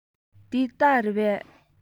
འདི སྟག རེད པས